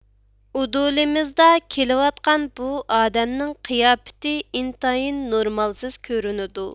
ئۇدۇلىمىزدا كېلىۋاتقان بۇ ئادەمنىڭ قىياپىتى ئىنتايىن نورمالسىز كۆرۈنىدۇ